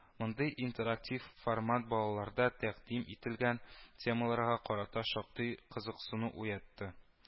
Ондый интерактив формат балаларда тәкъдим ителгән темаларга карата шактый кызыксыну уятты. н